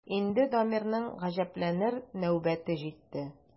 Инде Дамирның гаҗәпләнер нәүбәте җитте.